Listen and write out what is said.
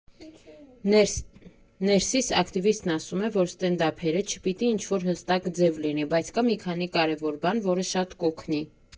Ներսիս ակտիվիստն ասում է, որ ստենդափերը չպիտի ինչ֊որ հստակ ձև լինի, բայց կա մի քանի կարևոր բան, որը շատ կօգնի։